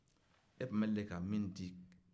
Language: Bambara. e tun bɛ deli ka min di